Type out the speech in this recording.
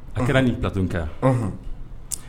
A kɛra ni pt tun kɛ yan